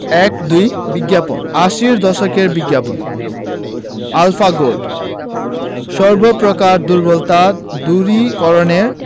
১২ বিজ্ঞাপন আশির দশকের বিজ্ঞাপন আলফা গোল্ড সর্ব প্রকার দুর্বলতা দূরীকরণের